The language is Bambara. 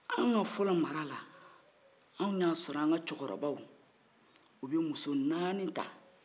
an ka fɔlɔ marala an y'a sɔrɔ an ka cɔkɔrɔbaw o bɛ muso naani ta